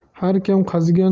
har kim qazigan